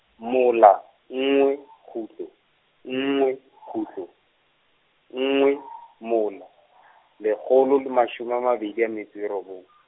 mola, nngwe , kgutlo, nngwe, kgutlo, nngwe, mola, lekgolo le mashome a mabedi a metso e robong .